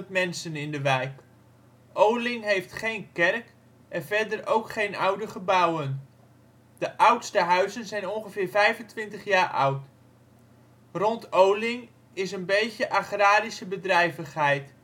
mensen in de wijk. Oling heeft geen kerk en verder ook geen oude gebouwen. De oudste huizen zijn ongeveer 25 jaar oud. Rondom Oling is een beetje argrarische bedrijvigheid